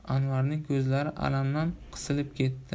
anvarning ko'zlari alam dan qisilib ketdi